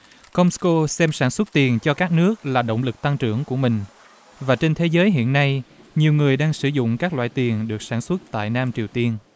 com sờ cô xem sản xuất tiền cho các nước là động lực tăng trưởng của mình và trên thế giới hiện nay nhiều người đang sử dụng các loại tiền được sản xuất tại nam triều tiên